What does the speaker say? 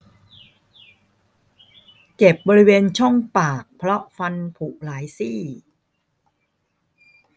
เจ็บบริเวณช่องปากเพราะฟันผุหลายซี่